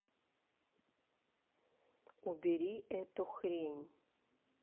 убери эту хрень